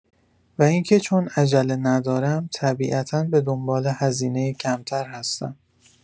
و اینکه چون عجله ندارم طبیعتا به دنبال هزینه کمتر هستم.